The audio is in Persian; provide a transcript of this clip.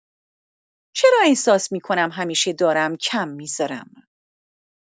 چرا احساس می‌کنم همیشه دارم کم می‌ذارم؟